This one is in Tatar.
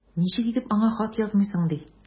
Ничек итеп аңа хат язмыйсың ди!